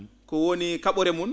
ko woni ka?ore mun